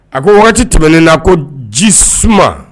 A ko waati tɛmen na ko ji suma